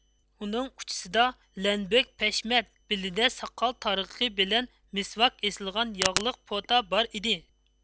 ئۇنىڭ ئۇچىسىدا لەنبۆك پەشمەت بېلىدە ساقال تارغىقى بىلەن مىسۋاك ئېسىلغان ياغلىق پوتا بار ئىدى